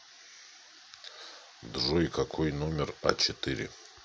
джой какой номер а четыре